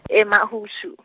eMahushu.